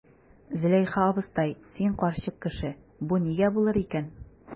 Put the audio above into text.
Зөләйха абыстай, син карчык кеше, бу нигә булыр икән?